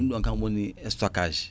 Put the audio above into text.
ɗum ɗon kam woni stockage